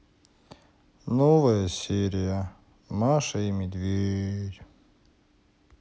новая серия маша и медведь